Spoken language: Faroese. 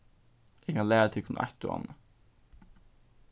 eg kann læra tykkum eitt og annað